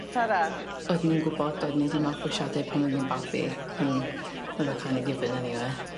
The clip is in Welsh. Tara. Oeddwn i'n gwbod oeddwn i 'di mabwysiadu pan o'n i'n babi o'dd o'n o'dd o kin' of given eniwe.